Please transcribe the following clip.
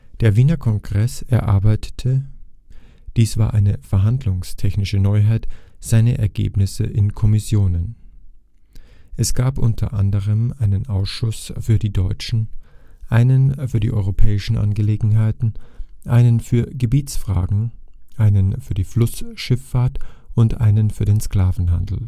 Der Wiener Kongress erarbeitete, dies war eine verhandlungstechnische Neuheit, seine Ergebnisse in Kommissionen. Es gab unter anderem einen Ausschuss für die Deutschen, einen für die europäischen Angelegenheiten, einen für Gebietsfragen, einen für die Flussschifffahrt und einen für den Sklavenhandel